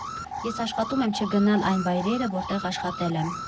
Ես աշխատում եմ չգնալ այն վայրերը, որտեղ աշխատել եմ։